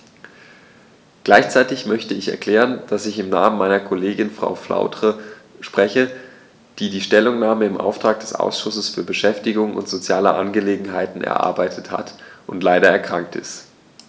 Gleichzeitig möchte ich erklären, dass ich im Namen meiner Kollegin Frau Flautre spreche, die die Stellungnahme im Auftrag des Ausschusses für Beschäftigung und soziale Angelegenheiten erarbeitet hat und leider erkrankt ist.